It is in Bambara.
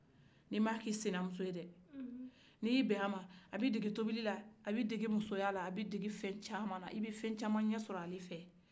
ni ma a kɛ i sinamuso ye dɛ ni i ye bɛ a ma a bɛ i dege tobilila a bɛ i dege musoya a bɛ i dege fɛn cama na i bɛ fɛn cama ɲɛsɔrɔ ale fɛn